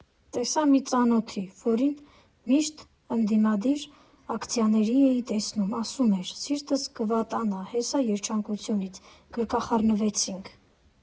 Տեսա մի ծանոթի, որին միշտ ընդդիմադիր ակցիաների էի տեսնում, ասում էր, սիրտս կվատանա հեսա երջանկությունից, գրկախառնվեցինք։